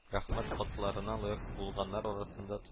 Рәхмәт хатларына лаек булганнар арасында